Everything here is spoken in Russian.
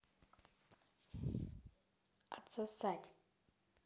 отсосать